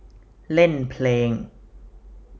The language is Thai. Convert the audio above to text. เล่นเพลง